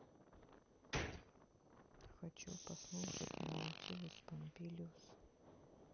хочу послушать наутилус помпилиус